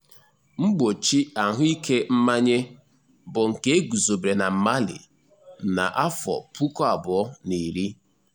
Mgbochi ahụike mmanye bụ nke eguzobere na Mali na 2010.